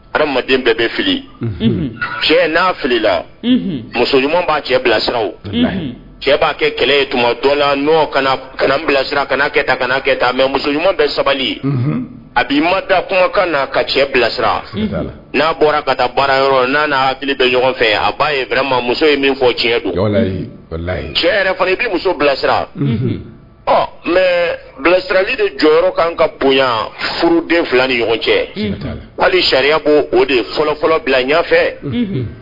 Adamaden bɛɛ bɛ fili cɛ n'a fili la muso ɲuman b'a cɛ bilasira cɛ b'a kɛ kɛlɛ tuma dɔ la kana kalanran bilasira ka'a kɛ ta kana kɛ mɛ muso ɲuman bɛ sabali a'i ma taa kumakan n'a ka cɛ bilasira n'a bɔra ka taa baara yɔrɔ n''a fili bɛ ɲɔgɔn fɛ a b'a yebma muso ye min fɔ cɛn don cɛ yɛrɛ i bɛ muso bilasira ɔ mɛ bilasirali de jɔyɔrɔ yɔrɔ kan ka bonya furuden fila ni ɲɔgɔn cɛ hali sariya ko o de fɔlɔfɔlɔ bila ɲɛ fɛ